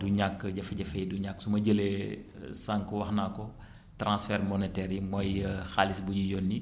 du ñàkk jafe-jafe yi du ñàkk su ma jëlee sànq wax naa ko transfert monétaires yi mooy xaalis bu ñuy yónni